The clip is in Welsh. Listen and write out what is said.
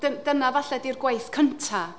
Dyn- dyna falle di'r gwaith cynta.